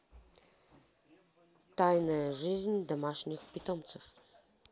тайная жизнь домашних питомцев